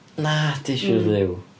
Na 'di, siŵr Dduw!